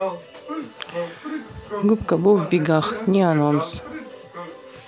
губка боб в бегах не анонс